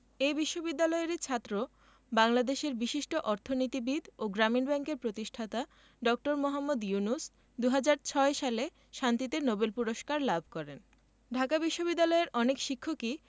এই বিশ্ববিদ্যালয়েরই ছাত্র বাংলাদেশের বিশিষ্ট অর্থনীতিবিদ ও গ্রামীণ ব্যাংকের প্রতিষ্ঠাতা ড. মোহাম্মদ ইউনুস ২০০৬ সালে শান্তিতে নোবেল পূরস্কার লাভ করেন ঢাকা বিশ্ববিদ্যালয়ের অনেক শিক্ষকই